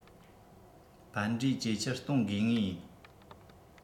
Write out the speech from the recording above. ཕན འབྲས ཇེ ཆེར གཏོང དགོས ངེས ཡིན